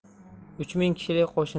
uch ming kishilik qo'shinning besh